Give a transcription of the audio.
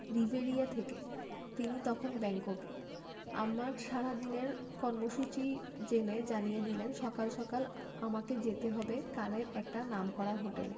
Riviera থেকে তিনি তখন ব্যাংককে আমার সারাদিনের কর্মসূচি জেনে জানিয়ে দিলেন সকাল সকাল আমাকে যেতে হবে কানের একটা নামকরা হোটেলে